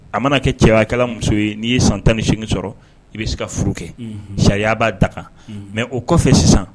A mana kɛ cɛbakɛla muso ye n'i ye san tan ni sengin sɔrɔ i bɛ se ka furu kɛ sariya b'a da kan mɛ o kɔfɛ sisan